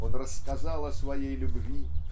он рассказал о своей любви